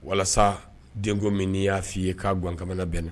Walasa denko min n'i y'a fɔ'i ye' gan kamalen bɛnnen